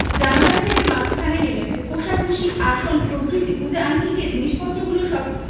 জানালা ছেড়ে মাঝখানে নেমেচে কোষাকুষি আসন প্রভৃতি পূজা আহ্নিকের জিনিসপত্রগুলো সব